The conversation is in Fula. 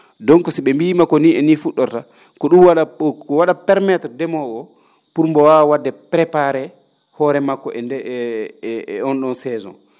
donc si ?e mbiyi ma ko nii e nii fu??orta ko ?um wa?at permettre ndemoowo o pour mbo waawa wa?de préparé hoore makko e nde e e on ?oon saison